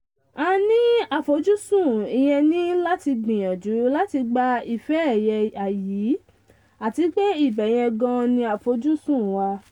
A ní àfojúsùn, ìyẹn ni láti gbìyànjú láti gba ife ẹ̀yẹ yìí, àtipé ibẹ̀yẹn gan an ní àfojúsùn wà’.